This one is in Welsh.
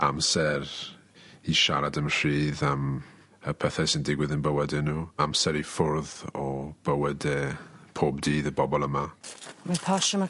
amser i siarad yn rhydd am y pethe sy'n digwydd yn bywyde n'w amser i ffwrdd o bywyde pob dydd y bobol yma. Mae'n posh yma...